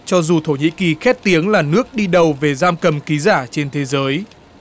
cho dù thổ nhĩ kỳ khét tiếng là nước đi đầu về giam cầm ký giả trên thế giới